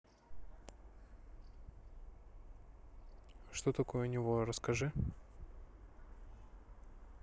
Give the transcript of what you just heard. что такое него расскажи